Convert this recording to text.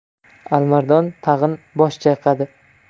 alimardon tag'in bosh chayqadi